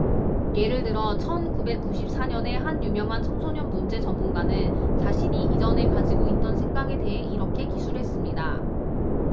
예를 들어 천 구백 구십 사 년에 한 유명한 청소년 문제 전문가는 자신이 이전에 가지고 있던 생각에 대해 이렇게 기술했습니다